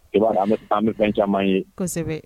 I b'a an an bɛ fɛn caman ye kosɛbɛ